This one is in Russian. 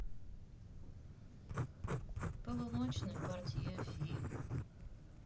полуночный портье фильм